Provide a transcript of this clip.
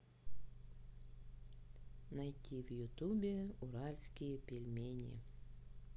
найти в ютубе уральские пельмени